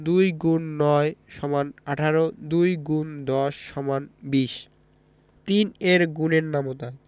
২ X ৯ = ১৮ ২ ×১০ = ২০ ৩ এর গুণের নামতা